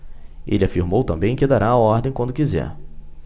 ele afirmou também que dará a ordem quando quiser